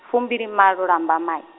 fumbilimalo Lambamai.